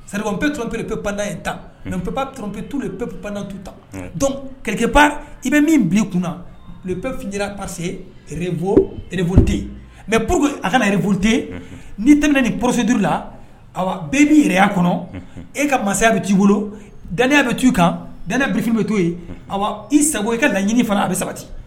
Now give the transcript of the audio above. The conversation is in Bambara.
Saɔnp tprepda ye tan mɛp- tptuurpantu tan dɔnckep i bɛ min bi kunnapfin passe rep refte mɛ pur que a ka ft ni tɛmɛ ni porosi duuru la a bɛɛ' yɛrɛreya kɔnɔ e ka masaya bɛ ciu bolo daya bɛ tuu kan da birifin bɛ tuu yen a i sagogo i ka laɲini fana a bɛ sabati